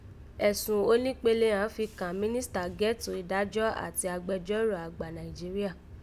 Ẹ̀sùn oníkpele àán fi kàn mínísítà ghétò ìdàjo àti Agbẹjọ́rò àgbà Nàìjíríà